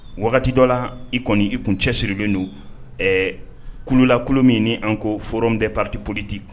Wagati dɔ la i kɔni i kun cɛ sirilen don kululakulu min ɲini an ko fon bɛ pati polidi